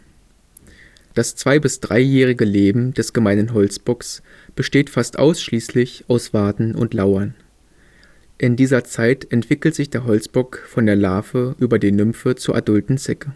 2 - bis 3-jährige Leben des Gemeinen Holzbocks besteht fast ausschließlich aus Warten und Lauern. In dieser Zeit entwickelt sich der Holzbock von der Larve über die Nymphe zur adulten Zecke